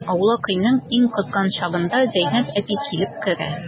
Аулак өйнең иң кызган чагында Зәйнәп әби килеп керә.